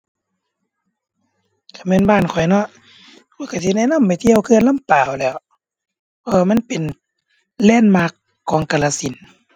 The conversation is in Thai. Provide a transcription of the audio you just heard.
คันแม่นบ้านข้อยเนาะ มันก็สิแนะนำให้เที่ยวเขื่อนลำปาวแหล้ว เพราะว่ามันเป็นแลนด์มาร์กของกาฬสินธุ์